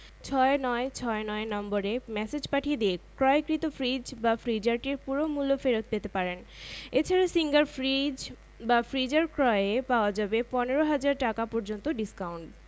৬৯৬৯ নম্বরে ম্যাসেজ পাঠিয়ে দিয়ে ক্রয়কৃত ফ্রিজ বা ফ্রিজারটির পুরো মূল্য ফেরত পেতে পারেন এ ছাড়া সিঙ্গার ফ্রিজ বা ফ্রিজার ক্রয়ে পাওয়া যাবে ১৫ ০০০ টাকা পর্যন্ত ডিসকাউন্ট